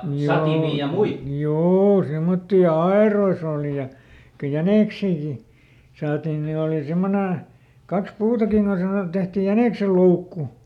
joo juu semmoisia ja aidoissa oli ja kun jäniksiäkin saatiin niin oli semmoinen kaksi puutakin kun sanottiin että tehtiin jäniksenloukku